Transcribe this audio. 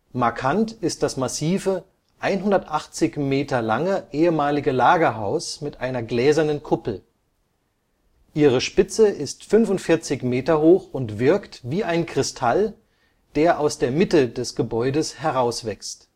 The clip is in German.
Markant ist das massive, 180 m lange ehemalige Lagerhaus mit einer gläsernen Kuppel. Ihre Spitze ist 45 m hoch und wirkt „ wie ein Kristall “, der aus der Mitte des Gebäudes herauswächst